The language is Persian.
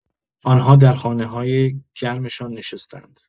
آن‌ها در خانه‌های گرم‌شان نشسته‌اند.